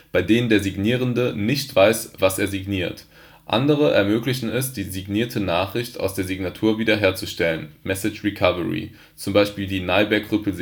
bei denen der Signierende nicht weiß, was er signiert; andere ermöglichen es, die signierte Nachricht aus der Signatur wiederherzustellen (message recovery), wie z. B. die Nyberg-Rueppel-Signatur